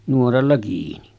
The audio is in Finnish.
nuoralla kiinni